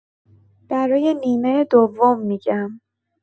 برای نیمه دوم می‌گم.